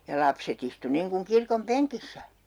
ja lapset istui niin kuin kirkon penkissä